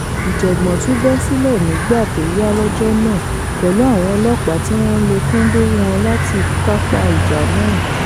Ìjàngbọ̀n tún bẹ́ sílẹ̀ nígbà tóyá lọ́jọ́ náà pẹ̀lú àwọn ọlọ́ọ̀pá tíwọn ńlo kóńdò wọn láti kápá ìjà náà.